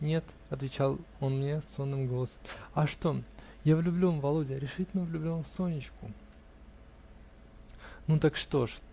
-- Нет, -- отвечал он мне сонным голосом, -- а что? -- Я влюблен, Володя! решительно влюблен в Сонечку. -- Ну так что ж?